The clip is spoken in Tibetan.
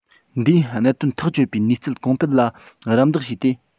འདིས གནད དོན ཐག གཅོད པའི ནུས རྩལ གོང འཕེལ ལ རམ འདེགས བྱས ཏེ